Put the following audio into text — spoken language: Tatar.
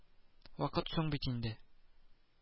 Вакыт соң бит инде